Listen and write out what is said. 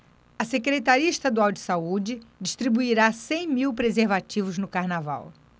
a secretaria estadual de saúde distribuirá cem mil preservativos no carnaval